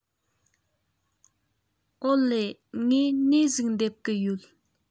ཨོ ལེ ངས ནས ཟིག འདེབས གི ཡོད